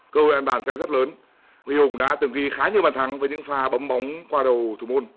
cơ hội ăn bàn sẽ rất lớn huy hùng đã từng ghi khá nhiều bàn thắng với những pha bấm bóng qua đầu thủ môn